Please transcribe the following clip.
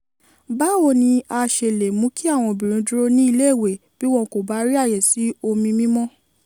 Báwo ni a ṣe lè mú kí àwọn obìnrin dúró ní ilé-ìwé bí wọn kò bá rí àyè sí omi mímọ́?